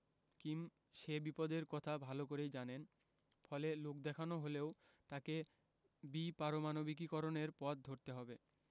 Kim সে বিপদের কথা ভালো করেই জানেন ফলে লোকদেখানো হলেও তাঁকে বিপারমাণবিকীকরণের পথ ধরতে হবে